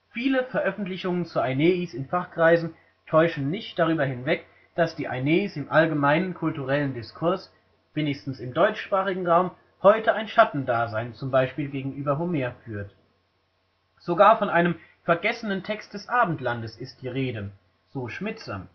Viele Veröffentlichungen zur Aeneis in Fachkreisen täuschen nicht darüber hinweg, dass die Aeneis im allgemeinen kulturellen Diskurs, wenigstens im deutschsprachigen Raum, heute ein Schattendasein z. B. gegenüber Homer führt. Sogar von einem „ vergessenen Text des Abendlandes “ist die Rede (Lit.: Schmitzer